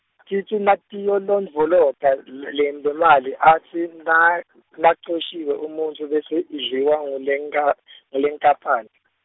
titsi natiyilondvolota l- lendza mali atsi na- nacoshiwe umuntfu bese, idliwa ngulenga- ngulenkapani.